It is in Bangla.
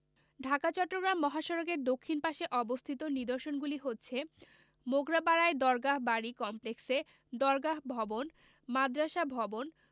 ঢাকা চট্টগ্রাম মহাসড়কের দক্ষিণ পাশে অবস্থিত নিদর্শনগুলি হচ্ছে মোগরাপাড়ায় দরগাহ বাড়ি কমপ্লেক্সে দরগাহ ভবন মাদ্রাসা ভবন